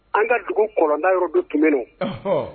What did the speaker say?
An ka dugu kɔlɔnda yɔrɔ dɔ tun bɛ yen nɔ ,ɔnhɔn.